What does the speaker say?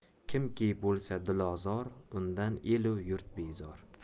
kimki bo'lsa dilozor undan el u yurt bezor